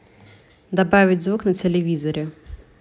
добавить звук на телевизоре